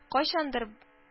Кайчандыр